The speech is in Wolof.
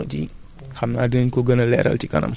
boobu mi ngi dox nii nii jamono jii